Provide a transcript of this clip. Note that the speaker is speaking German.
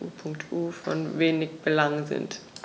u. U. von wenig Belang sind.